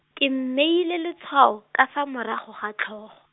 ke mmeile lotshwao, ka fa morago ga tlhogo.